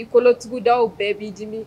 I kɔnɔtigiwda bɛɛ b'i dimi